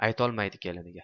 aytolmaydi keliniga